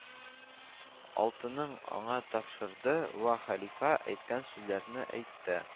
Алтынны аңа тапшырды вә хәлифә әйткән сүзләрне әйтте